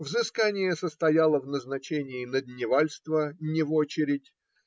Взыскание состояло в назначении на дневальство не в очередь.